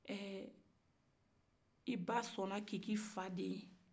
eee i ba sɔnna k'i k'i fa den ye